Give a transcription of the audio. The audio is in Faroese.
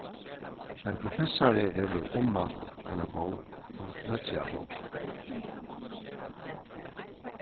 ein professari hevur ummælt eina bók um nólsoyar páll